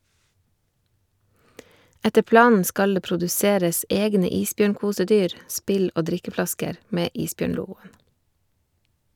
Etter planen skal det produseres egne isbjørnkosedyr , spill og drikkeflasker med isbjørnlogoen.